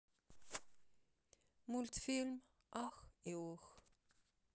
мультфильм ах и ох